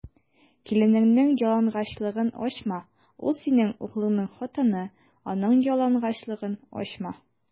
Киленеңнең ялангачлыгын ачма: ул - синең углыңның хатыны, аның ялангачлыгын ачма.